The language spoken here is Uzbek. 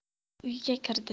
uyga kirdi